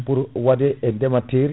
pour waɗe e ndeemateri